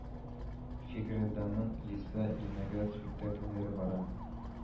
Фигейреданың Лиса и виноград спектакльләре бара